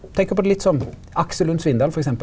tenker på det litt som Aksel Lund Svindal for eksempel.